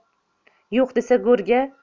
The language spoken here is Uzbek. yo'q desa go'rga